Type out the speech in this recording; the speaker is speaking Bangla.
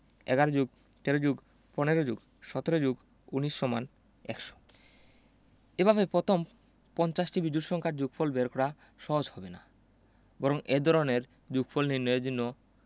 ১১+১৩+১৫+১৭+১৯=১০০ এভাবে প্রথম পঞ্চাশটি বিজোড় সংখ্যার যোগফল বের করা সহজ হবে না বরং এ ধরনের যোগফল নির্ণয়ের জন্য